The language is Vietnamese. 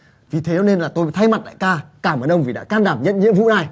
vì thế cho nên là tôi thay mặt đại ca cảm ơn ông vì đã can đảm nhận nhiệm vụ này